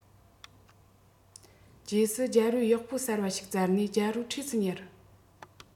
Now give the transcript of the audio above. རྗེས སུ རྒྱལ པོས གཡོག པོ གསར པ ཞིག བཙལ ནས རྒྱལ པོའི འཁྲིས སུ ཉར